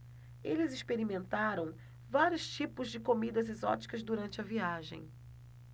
eles experimentaram vários tipos de comidas exóticas durante a viagem